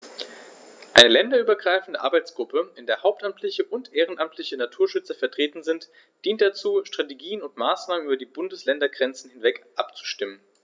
Eine länderübergreifende Arbeitsgruppe, in der hauptamtliche und ehrenamtliche Naturschützer vertreten sind, dient dazu, Strategien und Maßnahmen über die Bundesländergrenzen hinweg abzustimmen.